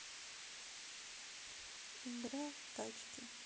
игра тачки